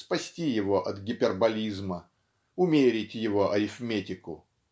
спасти его от гиперболизма умерить его арифметику.